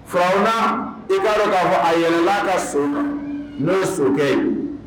Fauna i b'a dɔn k'a fɔ aɛlɛn n'a ka so n'o ye sokɛ ye